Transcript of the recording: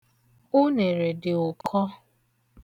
Unere dị ụkọ.